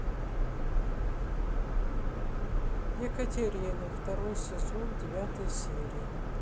екатерина второй сезон девятая серия